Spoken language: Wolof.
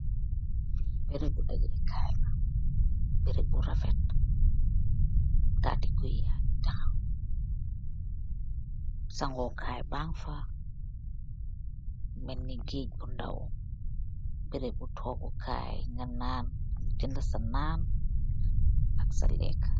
Bere bu degee Kaayla bere bu rafet, taati guy ya ngi texaw, sango kaay ban fa menni giej bu ndaw, bere bu toogu kaay nga nan jënda sa naan ak sa lekk